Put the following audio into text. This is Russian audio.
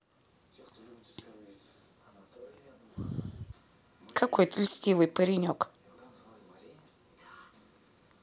какой ты льстивый паренек